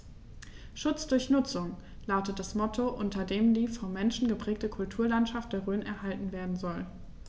„Schutz durch Nutzung“ lautet das Motto, unter dem die vom Menschen geprägte Kulturlandschaft der Rhön erhalten werden soll.